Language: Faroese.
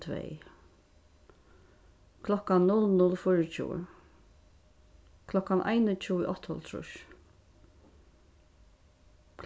tvey klokkan null null fýraogtjúgu klokkan einogtjúgu áttaoghálvtrýss